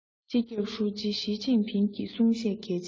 སྤྱི ཁྱབ ཧྲུའུ ཅི ཞིས ཅིན ཕིང གི གསུང བཤད གལ ཆེན